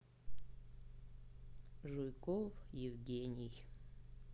жуйков евгений